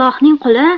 ollohning quli